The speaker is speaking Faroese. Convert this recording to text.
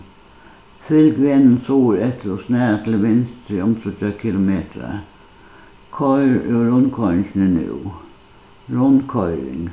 fylg vegnum suðureftir og snara til vinstru um tríggjar kilometrar koyr úr rundkoyringini nú rundkoyring